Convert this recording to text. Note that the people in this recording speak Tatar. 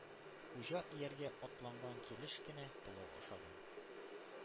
Хуҗа ияргә атланган килеш кенә пылау ашаган.